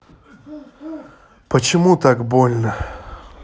почему так больно